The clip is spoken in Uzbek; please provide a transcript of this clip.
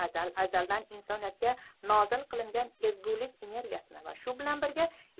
azal azaldan insoniyatga nozil qilingan ezgulik energiyasini va shu bilan birga